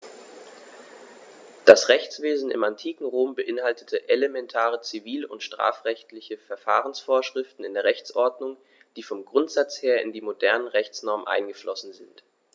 Das Rechtswesen im antiken Rom beinhaltete elementare zivil- und strafrechtliche Verfahrensvorschriften in der Rechtsordnung, die vom Grundsatz her in die modernen Rechtsnormen eingeflossen sind.